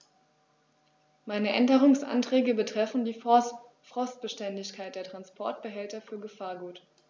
Meine Änderungsanträge betreffen die Frostbeständigkeit der Transportbehälter für Gefahrgut.